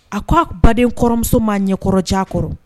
A k ko a baden kɔrɔmuso ma ɲɛkɔrɔc kɔrɔ